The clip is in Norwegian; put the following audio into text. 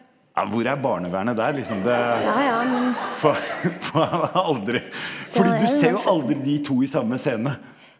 hvor er barnevernet der liksom det for for han har aldri fordi du ser jo aldri de to i samme scene.